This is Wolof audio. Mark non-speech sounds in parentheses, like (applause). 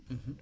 (hesitation) (hesitation)